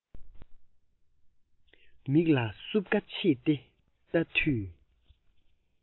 མིག ལ སྲུབས ཀ ཕྱེས ཏེ ལྟ དུས